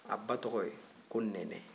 a ba tɔgɔ ye ko nɛnɛ